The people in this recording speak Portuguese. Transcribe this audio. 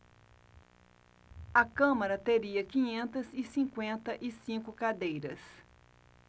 a câmara teria quinhentas e cinquenta e cinco cadeiras